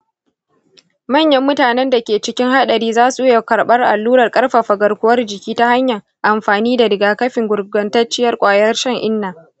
manyan mutanen da ke cikin haɗari za su iya karɓar allurar ƙarfafa garkuwar jiki ta hanyar amfani da rigakafin gurguntacciyar kwayar cutar shan-inna.